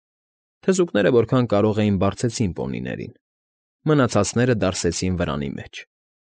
Թզուկները որքան կարող էին բարձեցին պոնիներին, մնացածները դարսեցին վրանի մեջ։